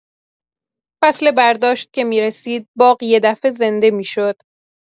فصل برداشت که می‌رسید، باغ یه‌دفعه زنده می‌شد.